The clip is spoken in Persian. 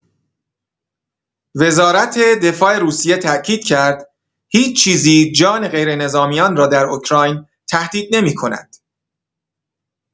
وزارت دفاع روسیه تاکید کرد هیچ‌چیزی جان غیرنظامیان را در اوکراین تهدید نمی‌کند.